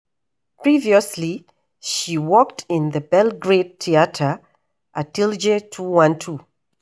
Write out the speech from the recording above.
Previously, she worked in the Belgrade theater Atelje 212.